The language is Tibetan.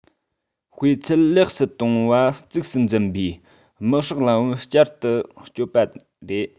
སྤུས ཚད ལེགས སུ གཏོང བ གཙིགས སུ འཛིན པའི དམག ཧྲག ལམ བུར བསྐྱར དུ བསྐྱོད པ རེད